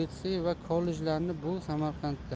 litsey va kollejlarni bu samarqandda